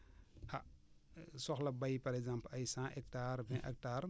ah soxla bay par exemple ay cent hectares vingt hectares